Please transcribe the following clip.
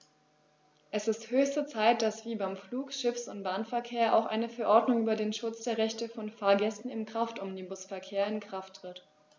Es ist höchste Zeit, dass wie beim Flug-, Schiffs- und Bahnverkehr auch eine Verordnung über den Schutz der Rechte von Fahrgästen im Kraftomnibusverkehr in Kraft tritt.